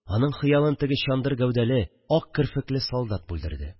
Аның хыялын теге, чандыр гәүдәле, ак керфекле солдат бүлдерде